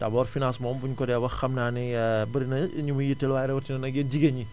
d' abord finance moom bu ñu ko dee wax xam naa ne bari na ñu mu yiteel waaye rawatina nag yéen jigéen ñi